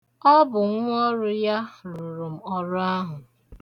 Ọ bụ nwọọrụ ya rụrụ m ọrụ ahụ.